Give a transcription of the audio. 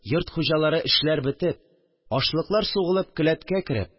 Йорт хуҗалары, эшләр бетеп, ашлыклар сугылып келәткә кереп